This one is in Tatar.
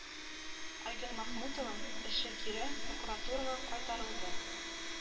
Айгөл Мәхмүтова эше кире прокуратурага кайтарылды